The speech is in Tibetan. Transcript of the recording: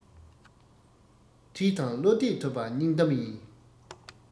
ཁྲེལ དང བློ གཏད ཐུབ པ སྙིང གཏམ ཡིན